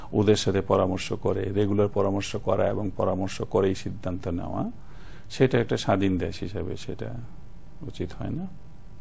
ওদের সাথে পরামর্শ করে রেগুলার পরামর্শ করা এবং পরামর্শ করেই সিদ্ধান্ত নেওয়া সেটা একটা স্বাধীন দেশ হিসেবে সেটা উচিত হয়নি